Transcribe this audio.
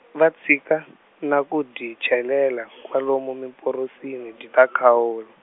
va tshika, na ku di chelela , kwalomu mimporosini di ta khawul-.